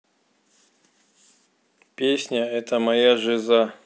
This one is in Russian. песня это моя жиза